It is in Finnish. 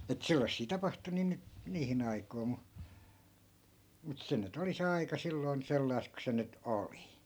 että sellaisia tapahtui niin nyt niihin aikoihin mutta mutta se nyt oli se aika silloin sellaista kuin se nyt oli